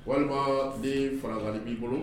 Walima den farasali b'i bolo